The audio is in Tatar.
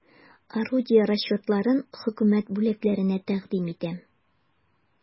Орудие расчетларын хөкүмәт бүләкләренә тәкъдим итәм.